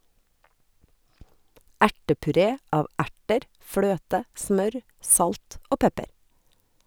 Ertepuré av erter, fløte, smør, salt og pepper.